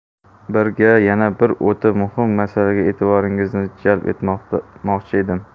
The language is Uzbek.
shu bilan birga yana bir o'ta muhim masalaga e'tiboringizni jalb etmoqchi edim